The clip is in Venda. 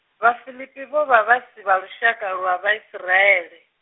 Vhafilipi vho vha vhasi vha lushaka lwa Vhaisiraele.